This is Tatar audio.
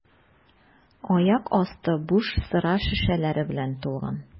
Аяк асты буш сыра шешәләре белән тулган.